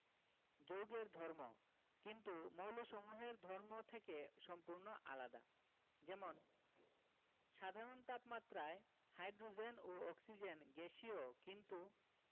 যৌগের ধর্ম কিন্তু মৌলসমূহের ধর্ম থেকে সম্পূর্ণ আলাদা যেমন সাধারণ তাপমাত্রায় হাইড্রোজেন ও অক্সিজেন গ্যাসীয় কিন্তু